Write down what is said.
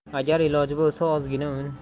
agar iloji bo'lsa ozgina un